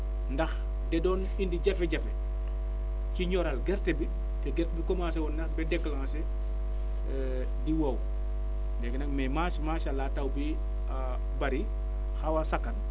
ndax da doon indi jafe-jafe ci ñoral gerte bi te gerte bu commencer woon naaf ba déclencher du wow léegi nag mais mach macha allah taw bi bëri xaw a sakkan